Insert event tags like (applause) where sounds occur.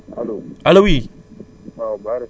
déggu ma (noise)